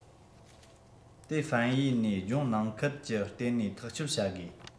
དེ ཧྥན ཡུས ནས ལྗོངས ནང ཁུལ གྱི བརྟེན ནས ཐག གཅོད བྱ དགོས